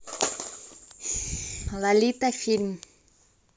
лолита фильм